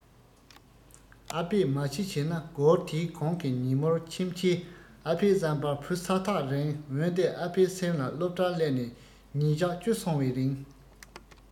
ཨ ཕས མ གཞི བྱས ན སྒོར དེའི གོང གི ཉིན མོར ཁྱིམ ཆས ཨ ཕའི བསམ པར བུ ས ཐག རིང འོན ཏེ ཨ ཕའི སེམས ལ སློབ གྲྭར སླེབས ནས ཉིན གཞག བཅུ སོང བའི རིང